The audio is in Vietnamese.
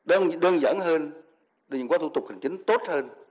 đâu đơn giản hơn đừng quá thủ tục hành chính tốt hơn